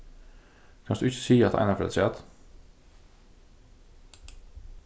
kanst tú ikki siga hatta eina ferð afturat